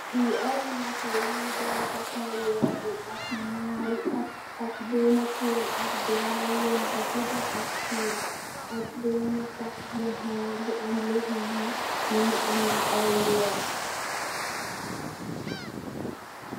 Li ay moto yuy daw ci kaw yon bi ak benna pól ak benna weñ bu gudda ak fil, ak benna taax bu am lu xonxa mugeh ameh ay wèèr.